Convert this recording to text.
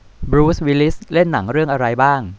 บรูซวิลลิสเล่นหนังเรื่องอะไรบ้าง